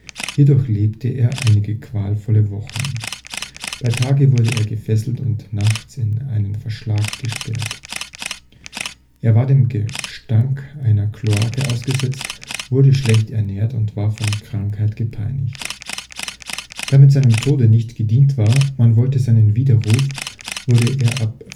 Hier durchlebte er einige qualvolle Wochen. Bei Tage wurde er gefesselt und nachts in einen Verschlag gesperrt. Er war dem Gestank einer Kloake ausgesetzt, wurde schlecht ernährt und war von Krankheit gepeinigt. Da mit seinem Tode nicht gedient war – er sollte seine Lehren widerrufen –, wurde er ab 24.